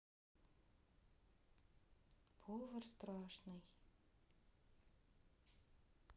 повар страшный